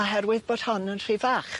Oherwydd bod hon yn rhy fach.